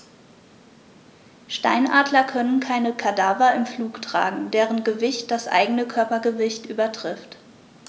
Steinadler können keine Kadaver im Flug tragen, deren Gewicht das eigene Körpergewicht übertrifft.